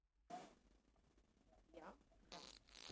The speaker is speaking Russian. я да